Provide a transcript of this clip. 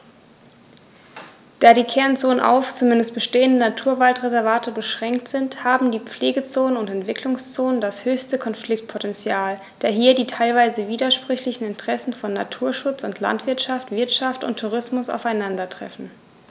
Da die Kernzonen auf – zumeist bestehende – Naturwaldreservate beschränkt sind, haben die Pflegezonen und Entwicklungszonen das höchste Konfliktpotential, da hier die teilweise widersprüchlichen Interessen von Naturschutz und Landwirtschaft, Wirtschaft und Tourismus aufeinandertreffen.